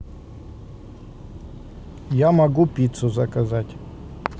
я могу пиццу заказать